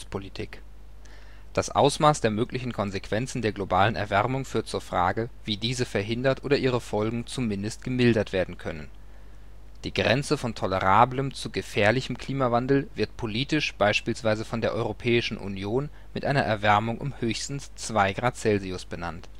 Ausmaß der möglichen Konsequenzen der globalen Erwärmung führt zur Frage, wie diese verhindert oder ihre Folgen zumindest gemildert werden können. Die Grenze von tolerablem zu „ gefährlichem “Klimawandel wird politisch beispielsweise von der Europäischen Union mit einer Erwärmung um höchstens 2 °C benannt